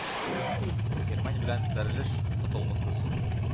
Германия белән бәрелеш котылгысыз